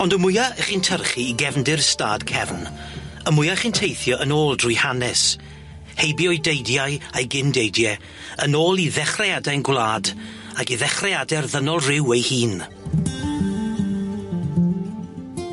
Ond y mwya 'ych chi'n tyrchu i gefndir stad cefn y mwya chi'n teithio yn ôl drwy hanes heibio'i deidiau a'i gyndeidie yn ôl i ddechreuad ein gwlad ac i ddechreuade'r ddynol ryw ei hun.